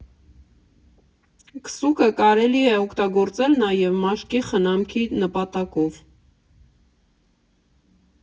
Քսուկը կարելի է օգտագործել նաև մաշկի խմանքի նպատակով։